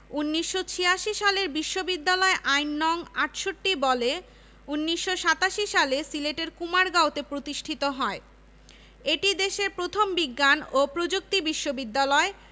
শাহ্জালাল বিজ্ঞান ও প্রযুক্তি বিশ্ববিদ্যালয় শাহ্জালাল বিজ্ঞান ও প্রযুক্তি বিশ্ববিদ্যালয় বাংলাদেশের অন্যতম উচ্চশিক্ষা প্রতিষ্ঠান গণপ্রজাতন্ত্রী বাংলাদেশ সরকারের